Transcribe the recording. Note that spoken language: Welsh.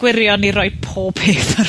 ...gwirion i roi pob peth ar...